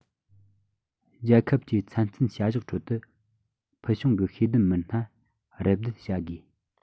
རྒྱལ ཁབ ཀྱི ཚན རྩལ བྱ གཞག ཁྲོད དུ ཕུལ བྱུང གི ཤེས ལྡན མི སྣ རུབ སྡུད བྱ དགོས